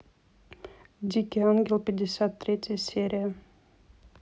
дикий ангел пятьдесят третья серия